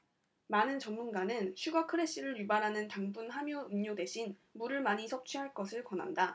많은 전문가는 슈거 크래시를 유발하는 당분 함유 음료 대신 물을 많이 섭취할 것을 권한다